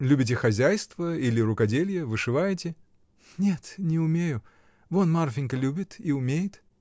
— Любите хозяйство или рукоделья, вышиваете? — Нет, не умею. Вон Марфинька любит и умеет.